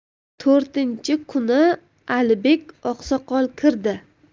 to'rtinchi kuni alibek oqsoqol kirdi